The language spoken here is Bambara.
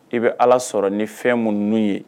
I bɛ ala sɔrɔ ni fɛn mu n' ye